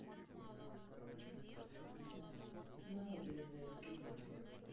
маугли на ютубе